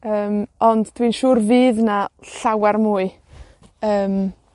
Yym, ond dwi'n siŵr fydd 'na llawar mwy. Yym,